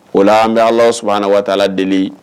O la an bɛs waatala delieli